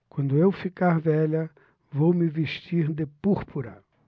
quando eu ficar velha vou me vestir de púrpura